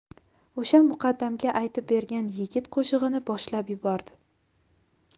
o'sha muqaddamga aytib bergan yigit qo'shig'ini boshlab yubordi